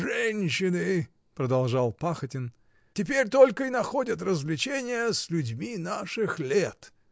— Женщины, — продолжал Пахотин, — теперь только и находят развлечение с людьми наших лет.